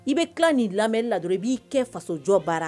I bɛ tila ni lamɛn la dɔrɔn i b'i kɛ faso jɔ bara